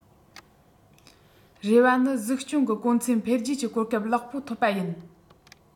རེ བ ནི གཟིགས སྐྱོང གི གོང ཚད འཕེལ རྒྱས ཀྱི གོ སྐབས ལེགས པོ ཐོབ པ ཡིན